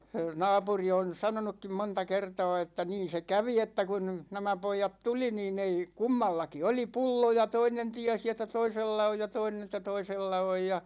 naapuri on sanonutkin monta kertaa että niin se kävi että kun nämä pojat tuli niin ei kummallakin oli pullo ja toinen tiesi että toisella on ja toinen että toisella on ja